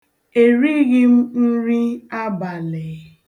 E righi m nri abalị.